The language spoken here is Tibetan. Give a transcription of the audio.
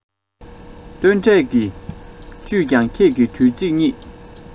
སྟོན འབྲས ཀྱི བཅུད ཀྱང ཁྱེད ཀྱི དུས ཚིགས ཉིད